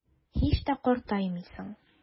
Һич тә картаймыйсың.